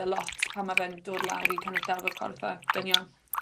e lot pan ma fe'n dod lawr i kind of delwedd corff a dynion.